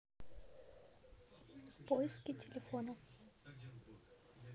поиски телефона